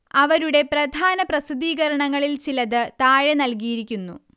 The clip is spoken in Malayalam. അവരുടെ പ്രധാന പ്രസിദ്ധീകരണങ്ങളിൽ ചിലത് താഴെ നൽകിയിരിക്കുന്നു